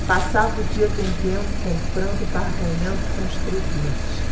passava o dia vendendo comprando barganhando com os fregueses